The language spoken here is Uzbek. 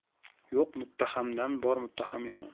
yo'q muttahamdan bor muttaham yomon